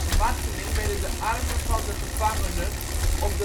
marteling werden de armen van de gevangenen op